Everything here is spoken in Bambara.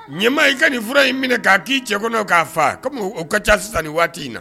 Ɲɛmaa i ka nin fura in minɛ k'a k'i cɛ kɔnɔ k'a faa kɔmi' ka ca sisan nin waati in na